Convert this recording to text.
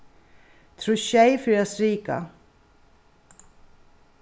trýst sjey fyri at strika